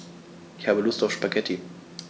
Ich habe Lust auf Spaghetti.